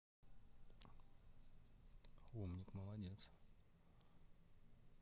умник молодец